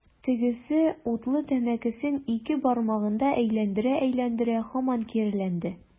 Тегесе, утлы тәмәкесен ике бармагында әйләндерә-әйләндерә, һаман киреләнде.